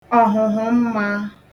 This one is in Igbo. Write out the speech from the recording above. ọ̀hụ̀hụ̀mmā